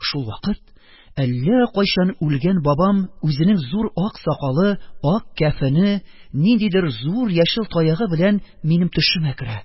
Шул вакыт әллә кайчан үлгән бабам үзенең зур ак сакалы, ак кәфене, ниндидер зур яшел таягы белән минем төшемә керә